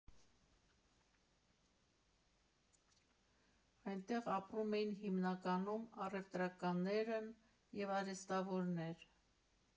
Այնտեղ ապրում էին հիմնականում առևտրականներն և արհեստավորներ։